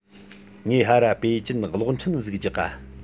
ངས ཧར ར པེ ཅིན གློག འཕྲིན ཟིག རྒྱག ག